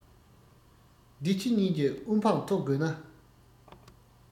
འདི ཕྱི གཉིས ཀྱི དབུ འཕང མཐོ དགོས ན